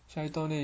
shayton ey